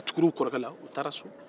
u tugura u kɔrɔkɛ ka taa so